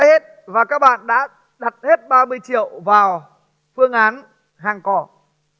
hết và các bạn đã đặt hết ba mươi triệu vào phương án hang cọp